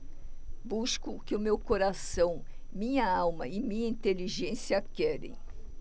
busco o que meu coração minha alma e minha inteligência querem